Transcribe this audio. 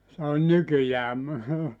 se on nykyään -